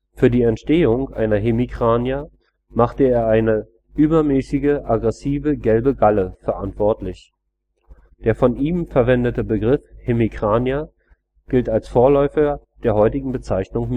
Für die Entstehung einer hemicrania machte er eine „ übermäßige, aggressive gelbe Galle “verantwortlich. Der von ihm verwendete Begriff hemicrania gilt als Vorläufer der heutigen Bezeichnung